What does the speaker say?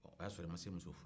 o y'a sɔrɔ i ma se musofuru ye